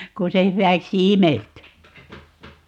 kun se hyväksi imeltyi